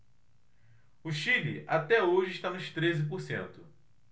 o chile até hoje está nos treze por cento